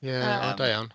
Ie o da iawn.